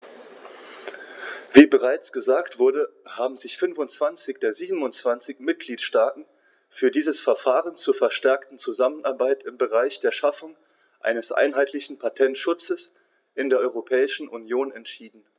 Wie bereits gesagt wurde, haben sich 25 der 27 Mitgliedstaaten für dieses Verfahren zur verstärkten Zusammenarbeit im Bereich der Schaffung eines einheitlichen Patentschutzes in der Europäischen Union entschieden.